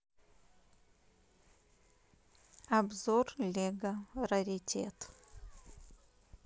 обзор лего раритет